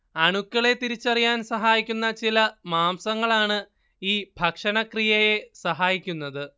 അണുക്കളെ തിരിച്ചറിയാൻ സഹായിക്കുന്ന ചില മാംസ്യങ്ങളാണ് ഈ ഭക്ഷണക്രിയയെ സഹായിക്കുന്നത്